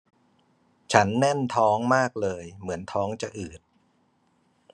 ฉันแน่นท้องมากเลยเหมือนท้องจะอืด